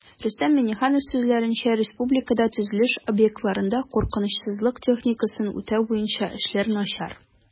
Рөстәм Миңнеханов сүзләренчә, республикада төзелеш объектларында куркынычсызлык техникасын үтәү буенча эшләр начар